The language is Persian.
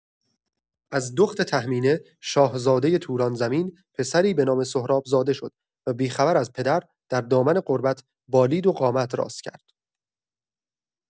از دخت تهمینه، شاهزاده توران‌زمین، پسری به نام سهراب زاده شد و بی‌خبر از پدر، در دامن غربت بالید و قامت راست کرد.